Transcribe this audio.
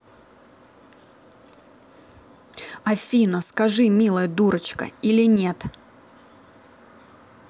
афина скажи милая дурочка или нет